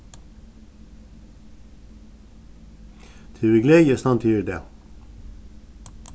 tað er við gleði eg standi her í dag